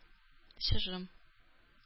Чыжым